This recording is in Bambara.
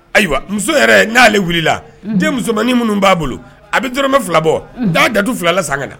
Ayiwa muso yɛrɛ n'ale wulila den musomanmaninin minnu b'a bolo a bɛ tɔrɔmɛ fila bɔ'a da filala san na